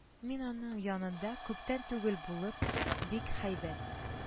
Мин аның янында күптән түгел булып, бик һәйбәт